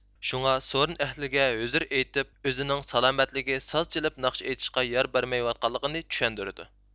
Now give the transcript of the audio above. شۇڭا سورۇن ئەھلىگە ھۆزۈر ئېيتىپ ئۆزىنىڭ سالامەتلىكى ساز چېلىپ ناخشا ئېيتىشقا يار بەرمەيۋاتقانلىقىنى چۈشەندۈرىدۇ